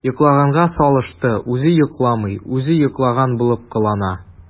“йоклаганга салышты” – үзе йокламый, үзе йоклаган булып кылана.